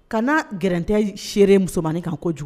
Kana g tɛ seere musomanmaninin kan kojugu